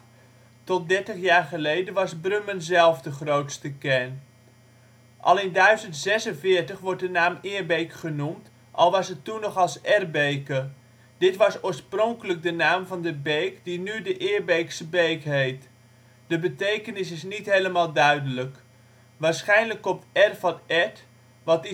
Tot 30 jaar geleden was Brummen zelf de grootste kern. Al in 1046 wordt de naam Eerbeek genoemd, al was het toen nog als Erbeke. Dit was oorspronkelijk de naam van de beek die nu de Eerbeekse Beek heet. De betekenis is niet helemaal duidelijk. Waarschijnlijk komt " er " van " erd ", wat